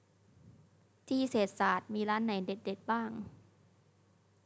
ที่เศรษฐศาสตร์มีร้านไหนเด็ดเด็ดบ้าง